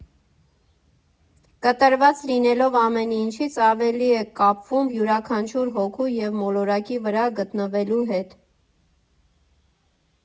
Կտրված լինելով ամեն ինչից՝ ավելի եք կապվում յուրաքանչյուր հոգու և մոլորակի վրա գտնվելու հետ։